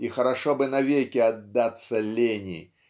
и хорошо бы навеки отдаться лени